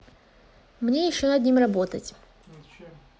мне еще над ним работать